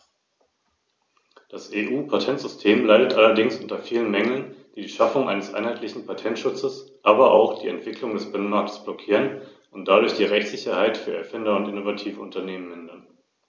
Herr Präsident, ich möchte Frau Schroedter ganz herzlich für die von ihr zu diesem Thema geleistete Arbeit danken. Gleichzeitig möchte ich erklären, dass ich im Namen meiner Kollegin Frau Flautre spreche, die die Stellungnahme im Auftrag des Ausschusses für Beschäftigung und soziale Angelegenheiten erarbeitet hat und leider erkrankt ist.